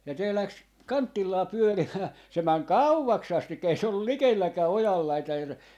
ja se lähti kantillaan pyörimään se meni kauaksi asti ei se ollut likelläkään ojan laitaa ja se